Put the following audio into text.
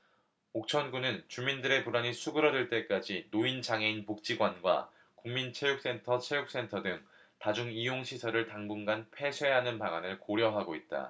옥천군은 주민들의 불안이 수그러들 때까지 노인장애인복지관과 국민체육센터 체육센터 등 다중 이용시설을 당분간 폐쇄하는 방안을 고려하고 있다